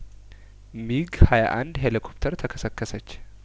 ሚግ ሀያአንድ ሄሊኮፕተር ተከሰከሰች